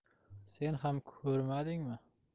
sen ham ko'rmadingmi